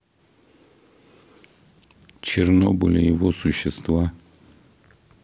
чернобыль и его существа